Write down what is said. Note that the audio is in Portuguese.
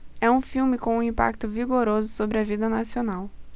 é um filme com um impacto vigoroso sobre a vida nacional